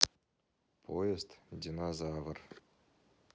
поезд динозавр